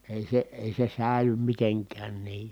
ei se ei se säily mitenkään niin